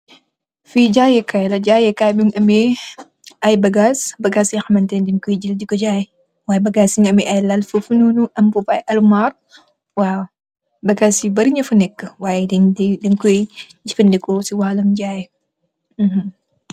Fi jaye Kay la, jaye Kay bi mungi ameh ay bagass. Bagass yo hamneh deng koii jell di ko jaye, way bagass yi nk mungi am ay lal fofu nonu, ameh ay armol. Way bagass yi bari nyofa neka, deng koii jefan deko c walu jaye.